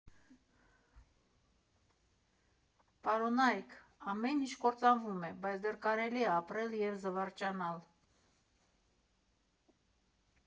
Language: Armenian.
Պարոնա՛յք, ամեն ինչ կործանվում Է, բայց դեռ կարելի Է ապրել և զվարճանալ։